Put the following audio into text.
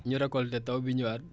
ñu récolter taw bi ñëwaat